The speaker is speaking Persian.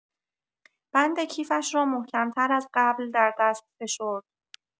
بند کیفش را محکم‌تر از قبل در دست فشرد.